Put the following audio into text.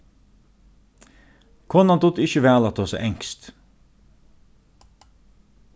konan dugdi ikki væl at tosa enskt